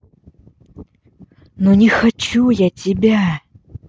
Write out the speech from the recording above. ну не хочу я тебя